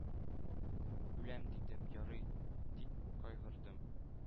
Үләм, дидем, ярый, тик кайгырдым,